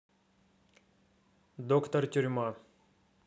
доктор тюрьма